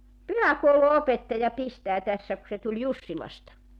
pyhäkoulunopettaja pistää tässä kun se tuli Jussilasta